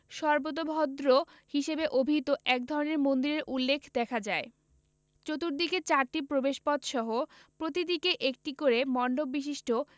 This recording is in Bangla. সর্বোতভদ্র হিসেবে অভিহিত এক ধরনের মন্দিরের উল্লেখ দেখা যায় চতুর্দিকে চারটি প্রবেশপথসহ প্রতিদিকে একটি করে মন্ডপ বিশিষ্ট